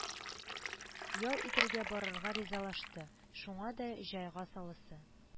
Ял итәргә барырга ризалашты, шуңа да җайга саласы